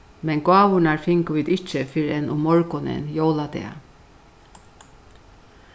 men gávurnar fingu vit ikki fyrr enn um morgunin jóladag